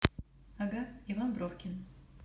ага иван бровкин